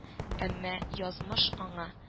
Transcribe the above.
Әмма язмыш аңа